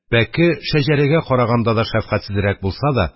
Пәке шәҗәрәгә караганда шәфкатьсезрәк булса да,